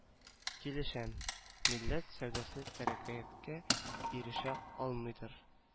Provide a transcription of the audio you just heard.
Килешәм милләт сәүдәсез тәрәккыяткә ирешә алмыйдыр